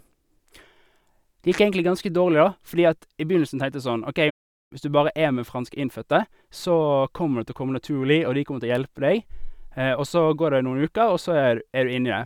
Det gikk egentlig ganske dårlig, da, fordi at i begynnelsen tenkte jeg sånn OK hvis du bare er med franske innfødte, så kommer det til å komme naturlig, og de kommer til å hjelpe deg, og så går det noen uker, og så er du er du inni det.